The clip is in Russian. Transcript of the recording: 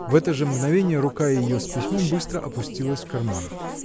В это же мгновение рука ее с письмом быстро опустилась в карман.